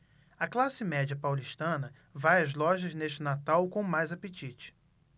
a classe média paulistana vai às lojas neste natal com mais apetite